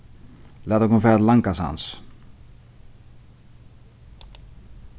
lat okkum fara til langasands